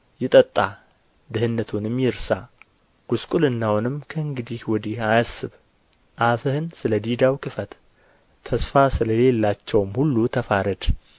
ይጠጣ ድህነቱንም ይርሳ ጕስቍልናውንም ከእንግዲህ ወዲህ አያስብ አፍህን ስለ ዲዳው ክፈት ተስፋ ስለሌላቸውም ሁሉ ተፋረድ